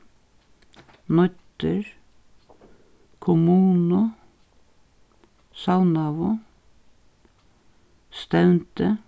noyddir kommunu savnaðu stevndi